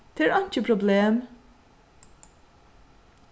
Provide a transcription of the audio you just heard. tað er einki problem